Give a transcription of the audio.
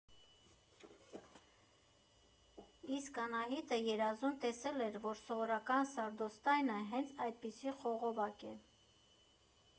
Իսկ Անահիտը երազում տեսել էր, որ սովորական սարդոստայնը հենց այդպիսի խողովակ է։